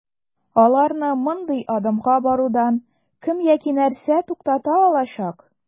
Аларны мондый адымга барудан кем яки нәрсә туктата алачак?